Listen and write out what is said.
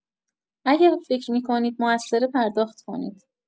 اگه فکر می‌کنید موثره پرداخت کنید.